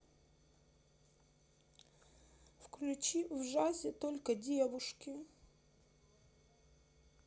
включи в джазе только девушки